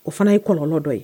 O fana ye kɔlɔn dɔ ye